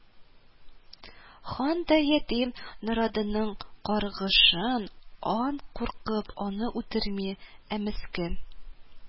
Хан да, ятим норадынның каргышын ан куркып, аны үтертми, ә мескен